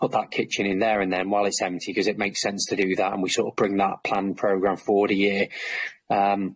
put that kitchen in there and then while it's empty 'cause it makes sense to do that, and we sort of bring that plan programme forward a year, erm.